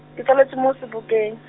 ke tsaletswe mo Sebokeng.